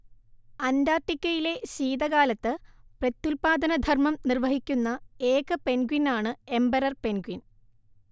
അന്റാർട്ടിക്കയിലെ ശീതകാലത്ത് പ്രത്യുത്പാദനധർമ്മം നിർവഹിക്കുന്ന ഏക പെൻഗ്വിനാണ് എമ്പറർ പെൻഗ്വിൻ